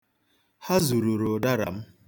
Ha zururu ụdara m.